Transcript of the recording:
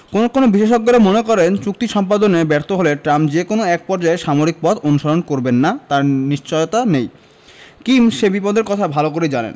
কোনো কোনো বিশেষজ্ঞেরা মনে করেন চুক্তি সম্পাদনে ব্যর্থ হলে ট্রাম্প যে কোনো একপর্যায়ে সামরিক পথ অনুসরণ করবেন না তার নিশ্চয়তা নেই কিম সে বিপদের কথা ভালো করেই জানেন